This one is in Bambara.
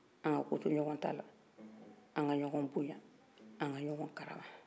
an ka ko to ɲɔgɔn ta la an ka ɲɔgɔn boɲan an ka ɲɔgɔn karama